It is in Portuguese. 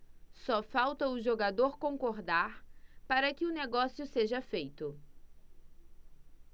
só falta o jogador concordar para que o negócio seja feito